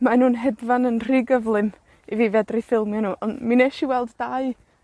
Mae nw'n hedfan yn rhy gyflym i fi fedru ffilmio nw, ond mi nesh i weld dau.